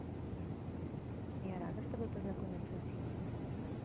я рада с тобой познакомиться афина